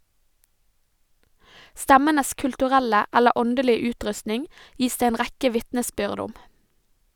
Stemmenes kulturelle eller åndelige utrustning gis det en rekke vitnesbyrd om.